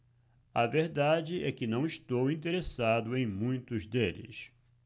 a verdade é que não estou interessado em muitos deles